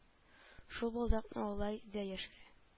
Шул балдакны алай да яшерә